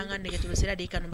An ka nɛgɛjurusira di kanu